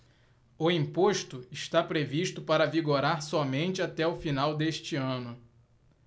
o imposto está previsto para vigorar somente até o final deste ano